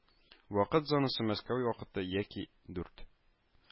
Вакыт зонасы Мәскәү вакыты яки дүрт